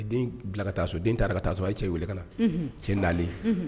A den bila ka taa den taara ka taa sɔrɔ a ye cɛ wele ka cɛ naanilen